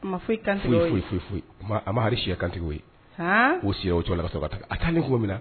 Foyi foyibaha siya kantigiw ye o si o cogo la ka a taa ni ko minɛ